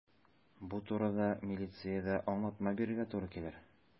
Бу турыда милициядә аңлатма бирергә туры килер.